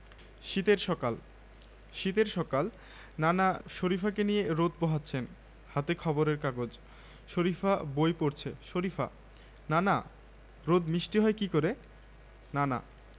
শীতের সকাল শীতের সকাল নানা শরিফাকে নিয়ে রোদ পোহাচ্ছেন হাতে খবরের কাগজ শরিফা বই পড়ছে শরিফা নানা রোদ মিষ্টি হয় কী করে নানা